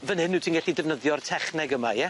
Fyn hyn wt ti'n gellu defnyddio'r techneg yma ie?